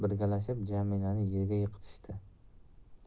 birgalashib jamilani yerga yiqitishdi